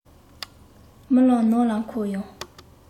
རྨི ལམ ནང ལ འཁོར ཡོང